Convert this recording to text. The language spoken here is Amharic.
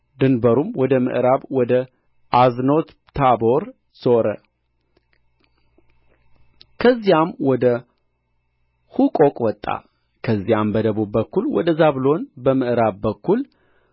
ድንበሩም ወደ ምዕራብ ወደ አዝኖትታቦር ዞረ ከዚያም ወደ ሑቆቅ ወጣ ከዚያም በደቡብ በኩል ወደ ዛብሎን በምዕራብ በኩል